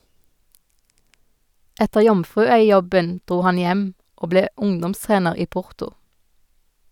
Etter Jomfruøy-jobben dro han hjem og ble ungdomstrener i Porto.